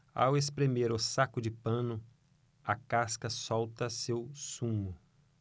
ao espremer o saco de pano a casca solta seu sumo